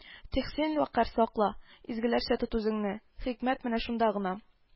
Тик син вәкарь сакла, изгеләрчә тот үзеңне, хикмәт менә шунда гына